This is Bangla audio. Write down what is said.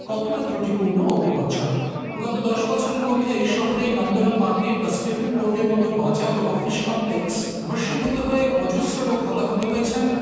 কতটা ত্রুটিপূর্ণ ও বিপদজনক গত ১০ বছরের মধ্যা এই শহরেই নন্দরাম মার্কেট বা স্টিফেন কোটের মতো বাজার ও অফিস কমপ্লেক্স ভস্মীভূত হয় অজস্র লোক হতাহত হয়েছেন